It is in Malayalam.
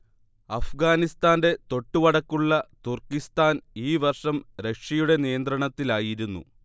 അഫ്ഗാനിസ്താന്റെ തൊട്ടുവടക്കുള്ള തുർക്കിസ്താൻ ഈ വർഷം റഷ്യയുടെ നിയന്ത്രണത്തിലായിരുന്നു